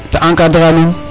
ta encadrer a nuun